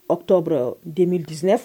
octobre 2019